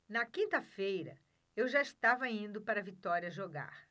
na quinta-feira eu já estava indo para vitória jogar